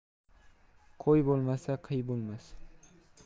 qo'y bo'lmasa qiy bo'lmas